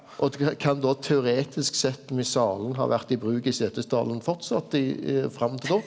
og kan då teoretisk sett missalen ha vore i bruk i Setesdalen framleis i i fram til då?